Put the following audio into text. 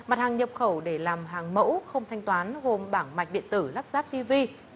mặt hàng nhập khẩu để làm hàng mẫu không thanh toán gồm bảng mạch điện tử lắp ráp ti vi